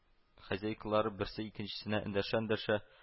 Хозяйкалары берсе икенчесенә эндәшә-эндәшә